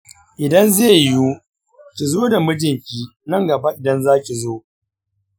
idan zai yiwu kizo da mijinki nan gaba idan za ki zo.